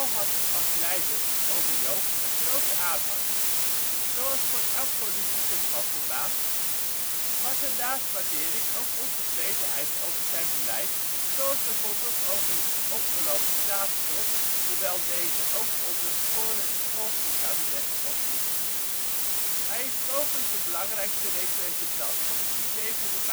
had als leider (' Ome Joop ') een grote aanhang. Zoals voor elk politicus van formaat was er naast waardering ook ontevredenheid over zijn beleid, zoals bijvoorbeeld over de opgelopen staatsschuld (hoewel deze ook onder volgende kabinetten opliep). Hij is mogelijk de belangrijkste representant van het idee van de